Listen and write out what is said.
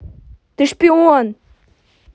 ты шпион